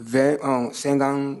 Bɛ senkan